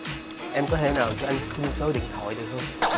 em có thể nào cho anh xin số điện thoại được